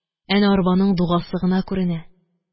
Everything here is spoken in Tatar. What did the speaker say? Әнә арбаның дугасы гына күренә